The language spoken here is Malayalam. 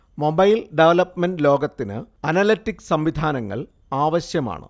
മൊബൈൽ ഡെവലപ്പ്മെന്റ് ലോകത്തിന് അനലറ്റിക്സ് സംവിധാനങ്ങൾ ആവശ്യമാണ്